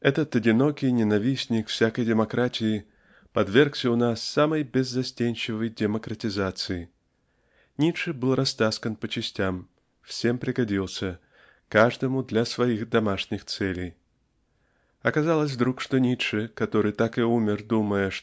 Этот одинокий ненавистник всякой демократии подвергся у нас самой беззастенчивой демократизации. Ницше был растаскан по частям всем пригодился каждому для своих домашних целей. Оказалось вдруг что Ницще который так и умер думая